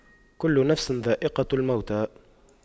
كُلُّ نَفسٍ ذَائِقَةُ المَوتِ